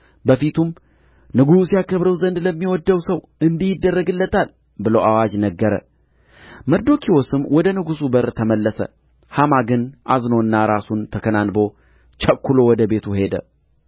በፊቱም ንጉሡ ያከብረው ዘንድ ለሚወድደው ሰው እንዲህ ይደረግለታል ብሎ አዋጅ ነገረ መርዶክዮስም ወደ ንጉሡ በር ተመለሰ ሐማ ግን አዝኖና ራሱን ተከናንቦ ቸኵሎ ወደ ቤቱ ሄደ